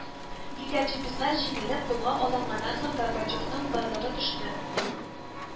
Гекачепистлар җиңелеп, кулга алынганнан соң Горбачевның базары төште